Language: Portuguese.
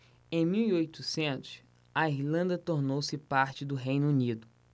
em mil e oitocentos a irlanda tornou-se parte do reino unido